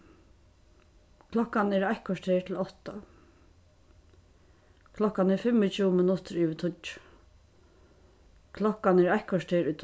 klokkan er eitt korter til átta klokkan er fimmogtjúgu minuttir yvir tíggju klokkan er eitt korter í